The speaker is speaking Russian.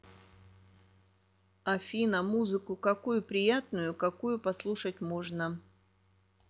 афина музыку какую приятную какую послушать можно